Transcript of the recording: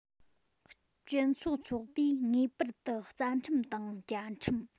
སྤྱི ཚོགས ཚོགས པས ངེས པར དུ རྩ ཁྲིམས དང བཅའ ཁྲིམས